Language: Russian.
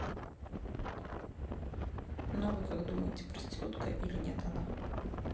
ну а вы как думаете проститутка или нет она